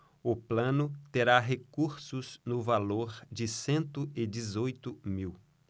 o plano terá recursos no valor de cento e dezoito mil